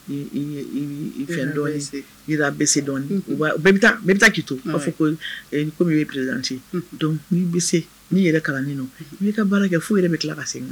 Fɛn dɔ ni' bɛ dɔn bɛɛ bɛ taa k'i to b'a fɔ kɔmi pdti dɔnc n'i bɛ n'i yɛrɛ kalanin ni ka baara kɛ foyi yɛrɛ bɛ tila ka segin na